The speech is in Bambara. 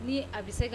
Ni a bi se ka